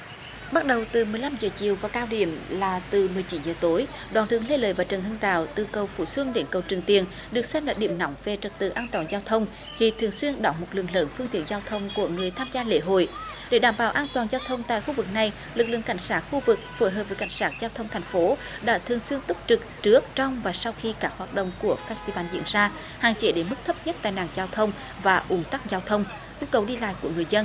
bắt đầu từ mười lăm giờ chiều và cao điểm là từ mười chín giờ tối đoạn đường lê lợi và trần hưng đạo từ cầu phú xuân để cầu trường tiền được xem là điểm nóng về trật tự an toàn giao thông khi thường xuyên đón một lực lượng phương tiện giao thông của người tham gia lễ hội để đảm bảo an toàn giao thông tại khu vực này lực lượng cảnh sát khu vực phối hợp với cảnh sát giao thông thành phố đã thường xuyên túc trực trước trong và sau khi các hoạt động của phét ti van diễn ra hạn chế đến mức thấp nhất tai nạn giao thông và ùn tắc giao thông nhu cầu đi lại của người dân